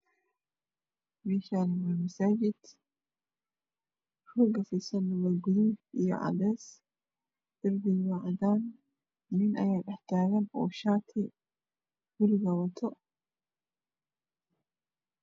Meeshaani waa masajid rooga fidsana waa guduud iyo cadays darbiga waa cadaan nin ayaa dhax taagan shaati buluug ah wato